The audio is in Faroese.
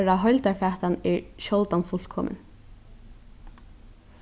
teirra heildarfatan er sjáldan fullkomin